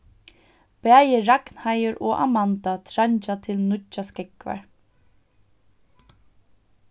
bæði ragnheiður og amanda treingja til nýggjar skógvar